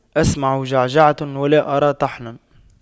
أسمع جعجعة ولا أرى طحنا